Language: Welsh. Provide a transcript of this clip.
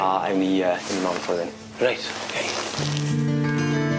A ewn ni yy ewn ni mewn ffordd 'yn. Reit. Ok.